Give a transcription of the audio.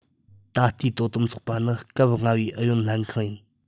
ད ལྟའི དོ དམ ཚོགས པ ནི སྐབས ལྔ བའི ཨུ ཡོན ལྷན ཁང ཡིན